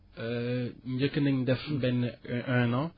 njëkk nañ def benn un an